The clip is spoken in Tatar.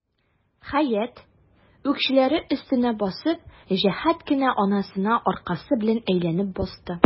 Хәят, үкчәләре өстенә басып, җәһәт кенә анасына аркасы белән әйләнеп басты.